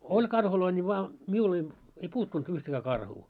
oli karhuja niin vaan minulla ei ei puuttunut yhtäkään karhua